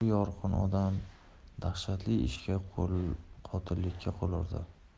biroq bu yorqin odam dahshatli ishga qotillikka qo'l urdi